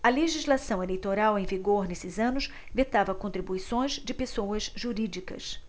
a legislação eleitoral em vigor nesses anos vetava contribuições de pessoas jurídicas